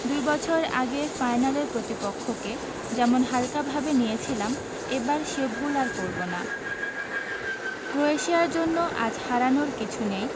দুই বছর আগে ফাইনালের প্রতিপক্ষকে যেমন হালকাভাবে নিয়েছিলাম এবার সে ভুল আর করব না ক্রোয়েশিয়ার জন্য আজ হারানোর কিছু নেই